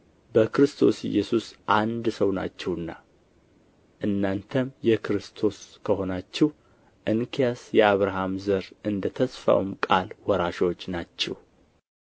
በክርስቶስ ኢየሱስ አንድ ሰው ናችሁና እናንተም የክርስቶስ ከሆናችሁ እንኪያስ የአብርሃም ዘር እንደ ተስፋውም ቃል ወራሾች ናችሁ